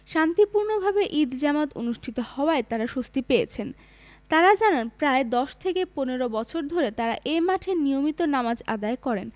শান্তিপূর্ণভাবে ঈদ জামাত অনুষ্ঠিত হওয়ায় তাঁরা স্বস্তি পেয়েছেন তাঁরা জানান প্রায় ১০ থেকে ১৫ বছর ধরে তাঁরা এ মাঠে নিয়মিত নামাজ আদায় করেন